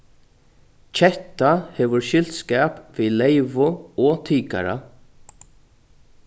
ketta hevur skyldskap við leyvu og tikara